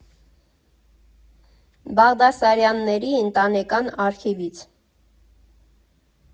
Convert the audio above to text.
Բաղդասարյանների ընտանեկան արխիվից։